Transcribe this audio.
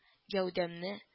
Гәүдәмне